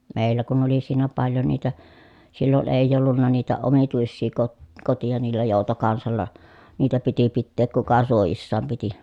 meillä kun oli siinä paljon niitä silloin ei ollut niitä omituisia - koteja niillä joutokansalla niitä piti pitää kuka suojissaan piti